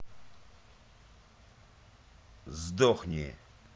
сдохни